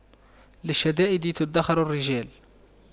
للشدائد تُدَّخَرُ الرجال